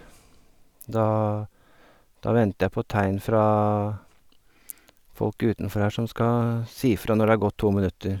da Da venter jeg på tegn fra folket utenfor her som skal si fra når det har gått to minutter.